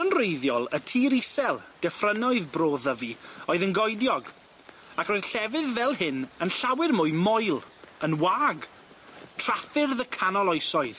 Yn wreiddiol y tir isel dyffrynnoedd bro Ddyfi oedd yn goediog ac roedd llefydd fel hyn yn llawer mwy moel yn wag traffyrdd y canol oesoedd.